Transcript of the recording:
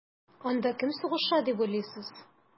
Анда кем сугыша дип уйлыйсыз?